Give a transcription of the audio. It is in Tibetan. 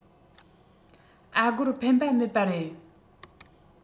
ཨ སྒོར ཕན པ མེད པ རེད